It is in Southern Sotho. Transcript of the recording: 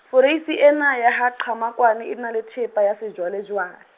foreisi ena ya ha Qhamakwane e na le thepa ya sejwalejwale.